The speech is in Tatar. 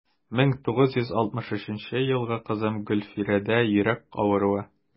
1963 елгы кызым гөлфирәдә йөрәк авыруы.